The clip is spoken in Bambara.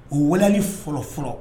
U wali fɔlɔ fɔlɔ